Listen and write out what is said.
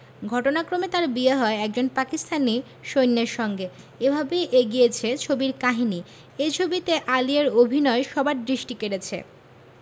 ঘটনাক্রমে তার বিয়ে হয় একজন পাকিস্তানী সৈন্যের সঙ্গে এভাবেই এগিয়েছে ছবির কাহিনী এই ছবিতে আলিয়ার অভিনয় সবার দৃষ্টি কেড়েছে